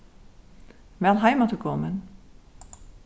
væl heimafturkomin